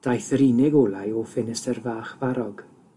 Daeth yr unig olau o ffenestr fach farrog